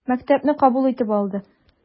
Мәктәпне кабул итеп алды.